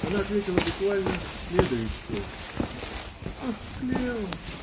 Она ответила буквально следующее: -- Ах, Клео.